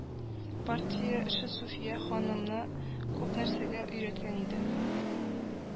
Партия эше Суфия ханымны күп нәрсәгә өйрәткән иде